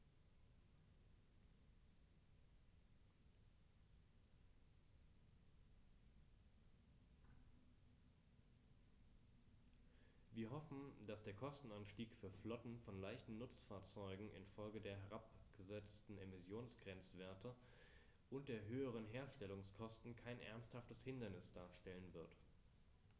Wir hoffen, dass der Kostenanstieg für Flotten von leichten Nutzfahrzeugen in Folge der herabgesetzten Emissionsgrenzwerte und der höheren Herstellungskosten kein ernsthaftes Hindernis darstellen wird.